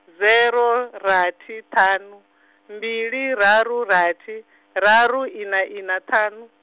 zero rathi ṱhanu, mbili raru rathi, raru ina ina ṱhanu.